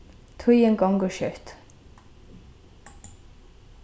tíðin gongur skjótt